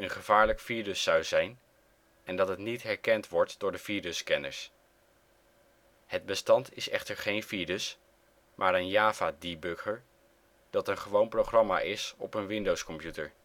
gevaarlijk virus zou zijn en dat het niet herkend wordt door de virusscanners. Het bestand is echter geen virus, maar een Java-debugger dat een gewoon programma is op een Windows computer